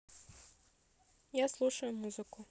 я слушаю музыку